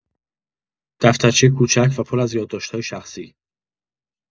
دفترچه کوچک و پر از یادداشت‌های شخصی